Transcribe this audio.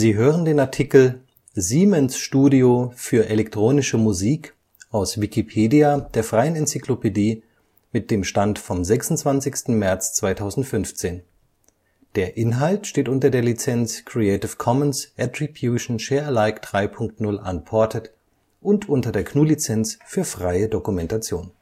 hören den Artikel Siemens-Studio für elektronische Musik, aus Wikipedia, der freien Enzyklopädie. Mit dem Stand vom Der Inhalt steht unter der Lizenz Creative Commons Attribution Share Alike 3 Punkt 0 Unported und unter der GNU Lizenz für freie Dokumentation